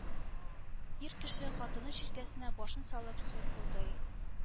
Ир кеше хатыны җилкәсенә башын салып сулкылдый